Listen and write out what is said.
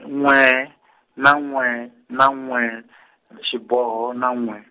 n'we , na n'we, na n'we , xiboho na n'we.